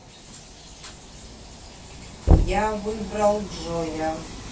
я выбрал джоя